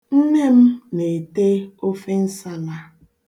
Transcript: Nne m na-ete ofe nsala.